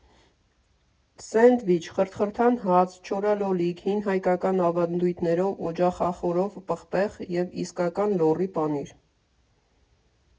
Սենդվիչ՝ խրթխրթան հաց, չորալոլիկ, հին հայկական ավանդույթներով օջախախորով պղպեղ և իսկական լոռի պանիր։